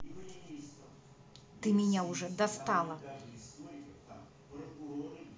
ты мне уже достала